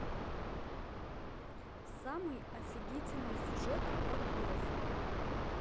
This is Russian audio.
самый офигительный сюжет паркуров